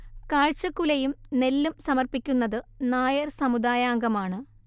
കാഴ്ചക്കുലയും നെല്ലും സമർപ്പിക്കുന്നത് നായർ സമുദായാംഗമാണ്